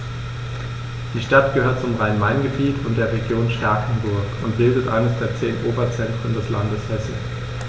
Die Stadt gehört zum Rhein-Main-Gebiet und der Region Starkenburg und bildet eines der zehn Oberzentren des Landes Hessen.